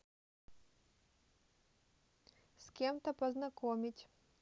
с кем то познакомить